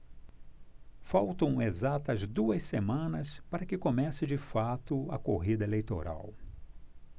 faltam exatas duas semanas para que comece de fato a corrida eleitoral